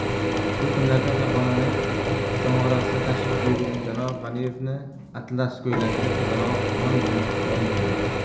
shu kunlarda farg'onaning cho'ng'arasiga tashrif buyurgan janob g'aniyevni atlas ko'ylakli qizaloq non bilan kutib olgan